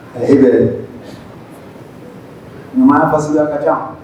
Ayi marafasiya ka ca